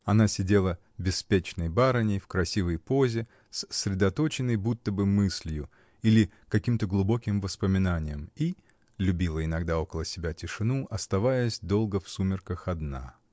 Она сидела беспечной барыней, в красивой позе, с средоточенной будто бы мыслью или каким-то глубоким воспоминанием — и любила тогда около себя тишину, оставаясь долго в сумерках одна.